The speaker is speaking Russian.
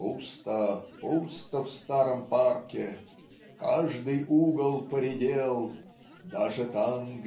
Пусто, пусто в старом парке. Каждый угол поредел Даже там